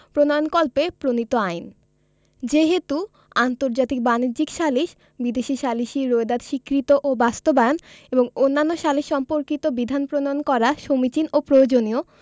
প্রণয়নকল্পে প্রণীত আইন যেইহেতু আন্তর্জাতিক বাণিজ্যিক সালিস বিদেশী সালিসী রোয়েদাদ স্বীকৃত ও বাস্তবায়ন এবং অন্যান্য সালিস সম্পর্কিত বিধান প্রণয়ন করা সমীচীন ও প্রয়োজনীয়